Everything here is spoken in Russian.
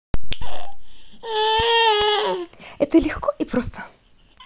это легко и просто